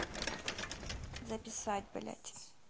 записать блядь